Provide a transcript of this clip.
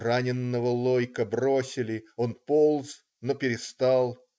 " Раненого Лойко бросили, он полз, но перестал.